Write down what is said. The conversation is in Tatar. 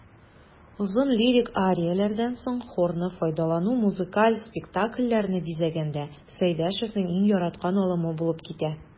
Озын лирик арияләрдән соң хорны файдалану музыкаль спектакльләрне бизәгәндә Сәйдәшевнең иң яраткан алымы булып китә.